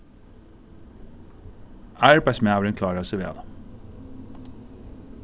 arbeiðsmaðurin klárar seg væl